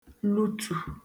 lutù